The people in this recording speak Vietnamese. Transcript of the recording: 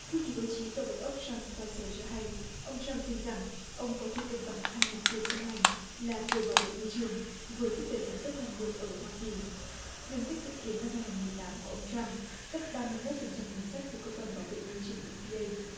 thư ký báo chí tòa bạch ốc san sờ pai xờ cho hay ông trăm tin rằng ông có thể cân bằng hai mục tiêu song hành là vừa bảo vệ môi trường vừa thúc đẩy sản xuất năng lượng ở hoa kỳ ngân sách dự kiến năm hai ngàn mười tám của ông trăm cắt ba mươi mốt phần trăm ngân sách của cơ quan bảo vệ môi trường i pi ây